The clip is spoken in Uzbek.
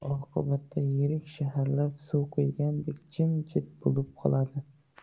oqibatda yirik shaharlar suv quygandek jim jit bo'lib qoladi